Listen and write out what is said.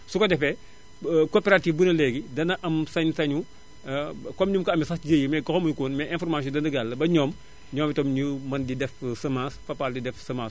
su ko defee coopérative bu ne léegi dana am sañ-sañu comme ni mu ko amee sax si GIE mais sax xamuñu ko woon mais informations yi dana jàll ba ñoom itam ñu mën di def semence Fapal di def semence